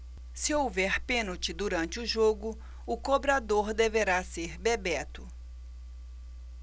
se houver pênalti durante o jogo o cobrador deverá ser bebeto